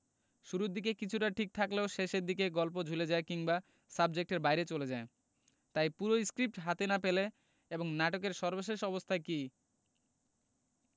শুরুর দিকে কিছুটা ঠিক থাকলেও শেষের দিকে গল্প ঝুলে যায় কিংবা সাবজেক্টের বাইরে চলে যায় তাই পুরো স্ক্রিপ্ট হাতে না পেলে এবং নাটকের সর্বশেষ অবস্থা কী